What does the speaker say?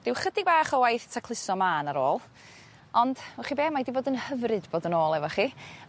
Ryw chydig bach o waith tacluso ma' 'na 'r ôl ond wch chi be' mae 'di bod yn hyfryd bod yn ôl efo chi